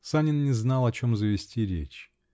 Санин не знал, о чем завести речь.